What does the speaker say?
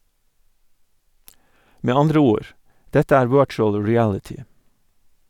Med andre ord - dette er virtual reality.